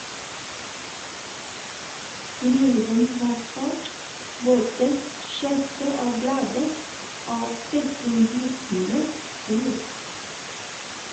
Kniven var sort, både skjeftet og bladet, og fryktinngytende stor.